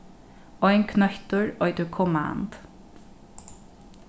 ein knøttur eitur command